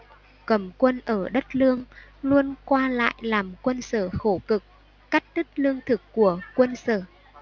cầm quân ở đất lương luôn qua lại làm quân sở khổ cực cắt đứt lương thực của quân sở